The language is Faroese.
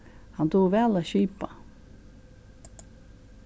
hann dugir væl at skipa